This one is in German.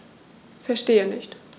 Verstehe nicht.